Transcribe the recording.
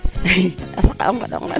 i a saqa o ngondo ngondo de